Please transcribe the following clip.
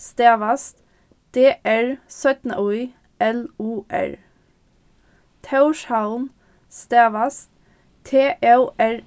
stavast d r ý l u r tórshavn stavast t ó r